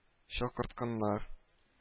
Чакыртканнар